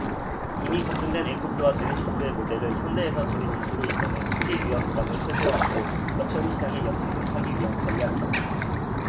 이미 검증된 에쿠스와 제네시스의 모델을 현대에서 제네시스로 이전해 초기 위험부담을 최소화하고 럭셔리 시장에 연착륙하기 위한 전략이다